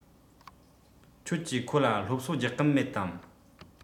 ཁྱོད ཀྱིས ཁོ ལ སློབ གསོ རྒྱག གི མེད དམ